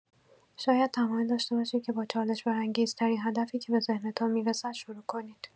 شاید تمایل داشته باشید که با چالش‌برانگیزترین هدفی که به ذهنتان می‌رسد شروع کنید.